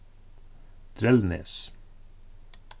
drelnes